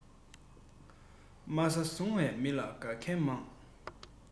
དེ འདྲའི ཐབས ལ དམའ ས བཟུང བ དགའ